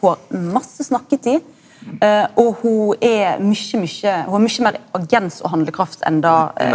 ho har masse snakketid og ho er mykje mykje ho har mykje meir agens og handlekraft enn det .